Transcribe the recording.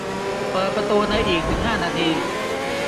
เปิดประตูในอีกสิบห้านาที